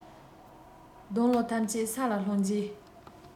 སྡོང ལོ ཐམས ཅད ས ལ ལྷུང རྗེས